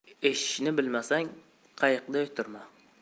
eshishni bilmasang qayiqda o'tirma